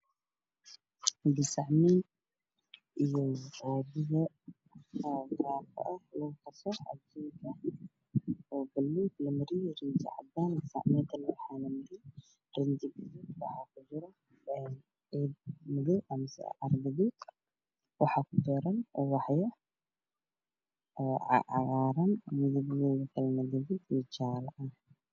Waa darbi la mariyay riinji gaduud ah